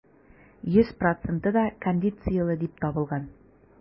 Йөз проценты да кондицияле дип табылган.